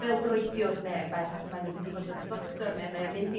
bêl-droediwr ne' mae mae yn mynd i fod yn doctor ne' mae o'n mynd i